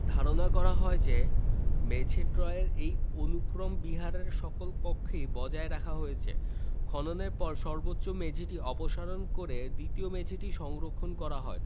ধারণা করা হয় যে মেঝেত্রয়ের এই অনুক্রম বিহারের সকল কক্ষেই বজায় রাখা হয়েছে খননের পর সর্বোচ্চ মেঝেটি অপসারণ করে দ্বিতীয় মেঝেটি সংরক্ষণ করা হয়